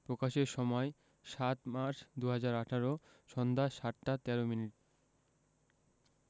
প্রকাশের সময় ০৭মার্চ ২০১৮ সন্ধ্যা ৭টা ১৩ মিনিট